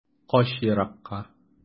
Кач еракка.